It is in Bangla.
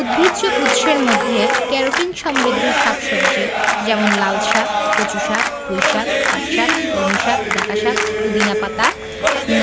উদ্ভিজ্জ উৎসের মধ্যে ক্যারোটিন সমৃদ্ধ শাক সবজি যেমন লালশাক কচুশাক পুঁইশাক পাটশাক কলমিশাক ডাঁটাশাক পুদিনা পাতা